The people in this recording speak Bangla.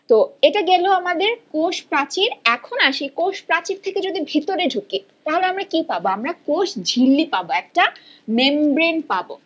কি তো এটা গেল আমাদের কোষ প্রাচীর এখন আসি কোষ প্রাচীর থেকে যদি ভিতরে ঢুকি তাহলে আমরা কি পাব আমরা কোষঝিল্লি পাব একটা মেমব্রেন পাব